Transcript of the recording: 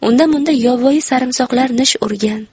undamunda yovvoyi sarimsoqlar nish urgan